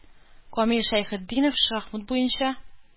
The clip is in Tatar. Камил Шәйхетдинов, шахмат буенча